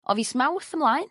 O fis Mawrth ymlaen